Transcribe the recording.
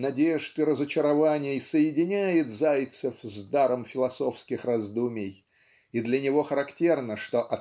надежд и разочарований соединяет Зайцев с даром философских раздумий и для него характерно что